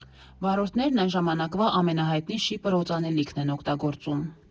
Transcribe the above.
Վարորդներն այն ժամանակվա ամենահայտնի «Շիպր» օծանելիքն են օգտագործում։